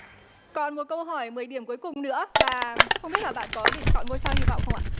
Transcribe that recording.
còn một câu hỏi mười điểm cuối cùng nữa và không biết là bạn có định chọn ngôi sao hy vọng không ạ